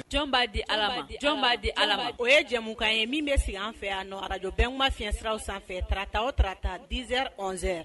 Jɔn'a di jɔn' di o ye jɛmukan ye min bɛ sigi an fɛ yan araj bɛn kuma fi fiɲɛyɛnsiraw sanfɛ tarata o tata dz sɛn